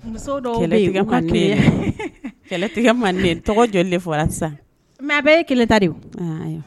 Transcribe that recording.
Kɛlɛtigɛ mande sisan mɛ bɛɛ ye kɛlɛ ta de